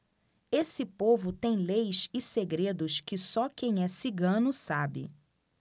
esse povo tem leis e segredos que só quem é cigano sabe